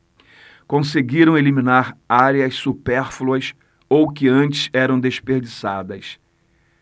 conseguiram eliminar áreas supérfluas ou que antes eram desperdiçadas